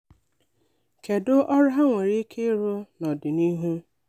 Kedu ọrụ ha nwere ike ịrụ n'ọdịnihu?